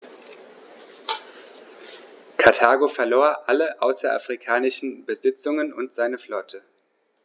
Karthago verlor alle außerafrikanischen Besitzungen und seine Flotte.